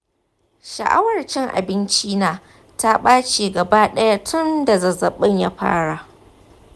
sha’awar cin abinci na ta ɓace gaba ɗaya tun da zazzabin ya fara.